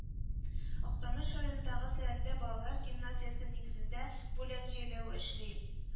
Актаныш районындагы сәләтле балалар гимназиясе нигезендә Бүләк җәйләве эшли